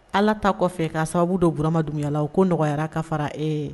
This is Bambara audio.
Ala ta kɔfɛ ka sababu dɔ buramaduguyala ko nɔgɔyayara ka fara e